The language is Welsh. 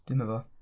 Dim efo...